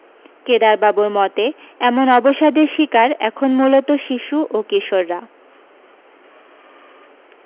কেদারবাবুর মতে এমন অবসাদের শিকার এখন মূলত শিশু ও কিশোররা